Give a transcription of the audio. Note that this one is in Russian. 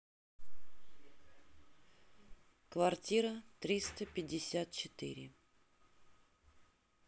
квартира триста пятьдесят четыре